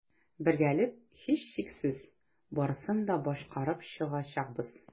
Бергәләп, һичшиксез, барысын да башкарып чыгачакбыз.